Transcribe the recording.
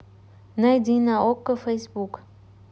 найди на окко фейсбук